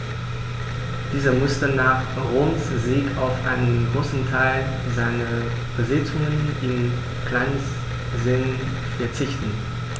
Dieser musste nach Roms Sieg auf einen Großteil seiner Besitzungen in Kleinasien verzichten.